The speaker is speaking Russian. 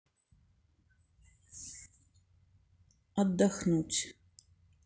отдохнуть